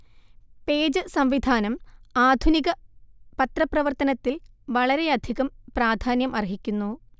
page സംവിധാനം ആധുനിക പത്രപ്രവർത്തനത്തിൽവളരെയധികം പ്രാധാന്യം അർഹിക്കുന്നു